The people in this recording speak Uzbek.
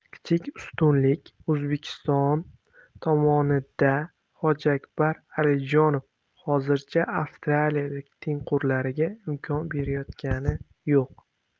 kichik ustunlik o'zbekiston tomonidahojiakbar alijonov hozircha avstraliyalik tengqurlariga imkon berayotgani yo'q